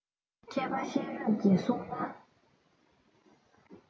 མཁས པ ཤེས རབ ཀྱིས བསྲུང ན